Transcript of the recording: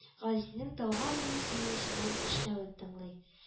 Газизенең тауга менү сөенеченнән кешнәвен тыңлый